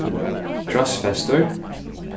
krossfestur